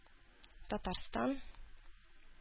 Татарстан